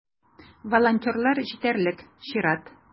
Волонтерлар җитәрлек - чират.